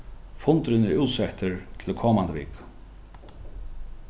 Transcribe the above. fundurin er útsettur til komandi viku